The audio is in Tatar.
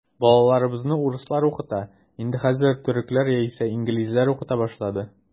Балаларыбызны урыслар укыта, инде хәзер төрекләр яисә инглизләр укыта башлады.